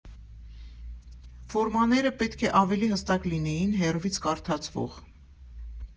Ֆորմաները պետք է ավելի հստակ լինեին, հեռվից կարդացվող։